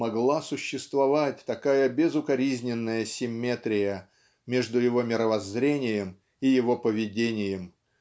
могла существовать такая безукоризненная симметрия между его мировоззрением и его поведением